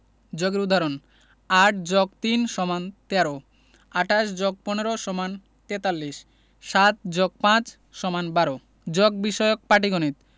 যোগের উদাহরণঃ ৮ + ৩ = ১৩ ২৮ + ১৫ = ৪৩ ৭+৫ = ১২ যোগ বিষয়ক পাটিগনিতঃ